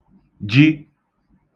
ji